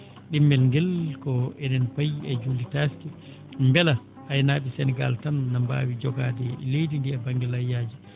ɗimmel ngel ko enen payi e juulde taaske mbela aynaaɓe Sénégal tan na mbaawi jogaade leydi ndi e baŋnge layyaaji